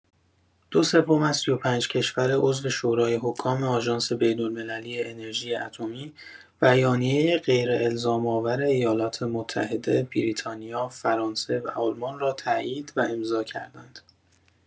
دو سوم از ۳۵ کشور عضو شورای حکام آژانس بین‌المللی انرژی اتمی، بیانیه غیرالزام‌آور ایالات‌متحده، بریتانیا، فرانسه و آلمان را تایید و امضا کردند.